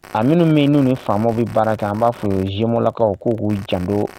A minnu bɛ yen n'u ni faamaw bɛ baara kɛ, an b'a fɔ gemeaux lakaw k'u k'u janto!